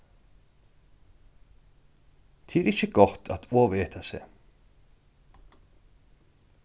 tað er ikki gott at oveta seg